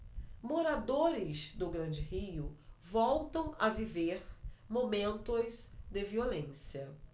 moradores do grande rio voltam a viver momentos de violência